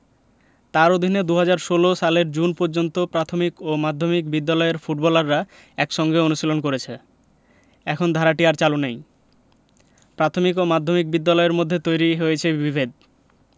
তাঁর অধীনে ২০১৬ সালের জুন পর্যন্ত প্রাথমিক ও মাধ্যমিক বিদ্যালয়ের ফুটবলাররা একসঙ্গে অনুশীলন করেছে এখন ধারাটি আর চালু নেই প্রাথমিক ও মাধ্যমিক বিদ্যালয়ের মধ্যে তৈরি হয়েছে বিভেদ